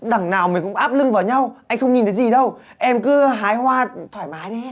đằng nào mình cũng áp lưng vào nhau anh không nhìn thấy gì đâu em cứ hái hoa thoải mái đi